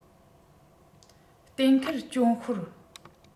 གཏན འཁེལ རྐྱོན ཤོར